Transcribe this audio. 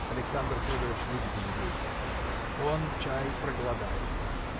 Александр Федорыч любит индейку; он, чай, проголодается.